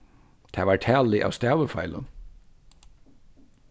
tað var talið av stavifeilum